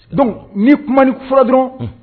Don ni kuma ni fura dɔrɔn